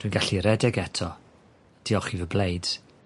Dwi'n gallu redeg eto. Diolch i fy blades.